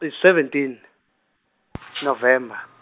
i- seventeen November.